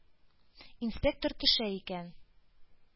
Инспектор төшә икән